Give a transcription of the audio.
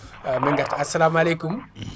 min garta assalamalekum